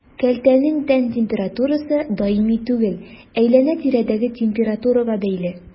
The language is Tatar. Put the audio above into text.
Кәлтәнең тән температурасы даими түгел, әйләнә-тирәдәге температурага бәйле.